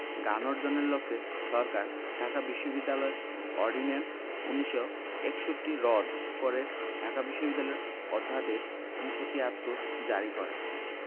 জ্ঞান অর্জনের লক্ষ্যে সরকার ঢাকা বিশ্ববিদ্যালয় অর্ডিন্যান্স ১৯৬১ রদ করে ঢাকা বিশ্ববিদ্যালয় অধ্যাদেশ ১৯৭৩ জারি করে